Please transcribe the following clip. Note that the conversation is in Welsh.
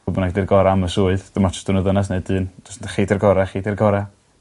Pwy bynnag 'di'r gora' am y swydd dim ots 'dyn n'w ddynas neu dyn jyst o' chi 'di'r gora' chi 'di'r gora'.